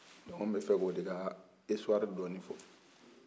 an bɛ fɛ ka o de ka histoire dɔni fɔ